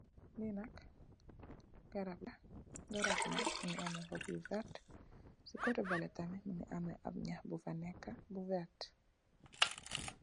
Li nak garab la garabi nak mongi ame xoop yu verta si kote bale tamit mongi ame ap nxaax bu fa neka bu verta.